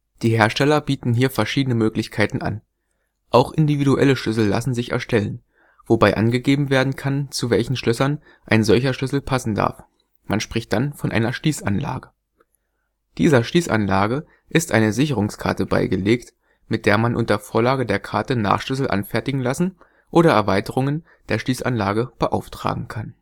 Die Hersteller bieten hier verschiedene Möglichkeiten an. Auch individuelle Schlüssel lassen sich erstellen, wobei angegeben werden kann, zu welchen Schlössern ein solcher Schlüssel passen darf. Man spricht dann von einer Schließanlage. Dieser Schließanlage ist eine Sicherungskarte beigelegt, mit der man unter Vorlage der Karte Nachschlüssel anfertigen lassen oder Erweiterungen der Schließanlage beauftragen kann